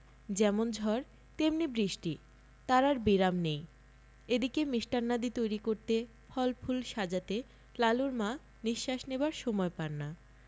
যেমন ঝড় তেমনি বৃষ্টি তার আর বিরাম নেই এদিকে মিষ্টান্নাদি তৈরি করতে ফল ফুল সাজাতে লালুর মা নিঃশ্বাস নেবার সময় পান না